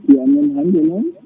so wiyaama noon hannde *